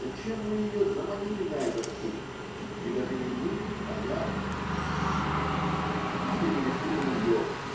Зачем мы ее заманили на этот путь? И даже не мы, а я? Мысли перешли на нее.